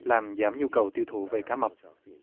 làm giảm nhu cầu tiêu thụ về cá mập